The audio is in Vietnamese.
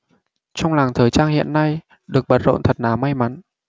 trong làng thời trang hiện nay được bận rộn thật là may mắn